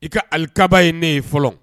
I ka alikaba ye ne ye fɔlɔ